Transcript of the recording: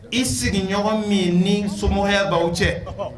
I sigiɲɔgɔn min ni soya b'aw cɛ